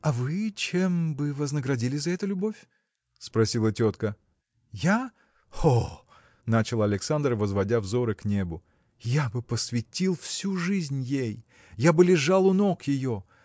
– А вы чем бы вознаградили за эту любовь? – спросила тетка. – Я? О! – начал Александр возводя взоры к небу – я бы посвятил всю жизнь ей я бы лежал у ног ее.